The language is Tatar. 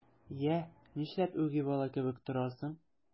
Йә, нишләп үги бала кебек торасың?